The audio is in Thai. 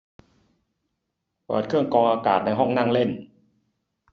เปิดเครื่องกรองอากาศในห้องนั่งเล่น